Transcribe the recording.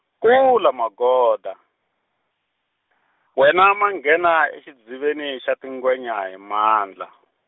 kula Magoda, wena manghena exidziveni xa tingwenya hi mandla.